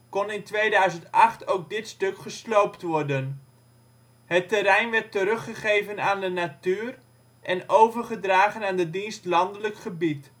kon in 2008 ook dit stuk gesloopt worden. Het terrein werd ' teruggegeven aan de natuur ' en overgedragen aan de Dienst Landelijk Gebied